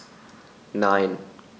Nein.